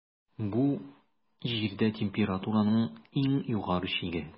Бу - Җирдә температураның иң югары чиге.